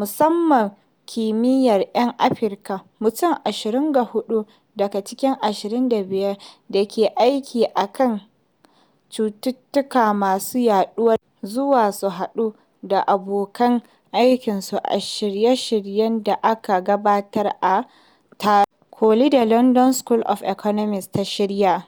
masana kimiyya 'yan afirka mutum 24 daga cikin 25 da ke aiki a kan cututtuka masu yaɗuwa bizar zuwa su haɗu da abokan aikinsu a shirye-shirye da aka gabatar a taron ƙoli da London School of Economics ta shirya.